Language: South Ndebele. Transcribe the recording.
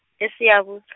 eSiyabus- .